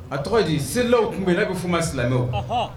A tɔgɔ ye di? Selilaw tun bɛ yen n'a bɛ fɛ a ma silamɛw, ɔnhn.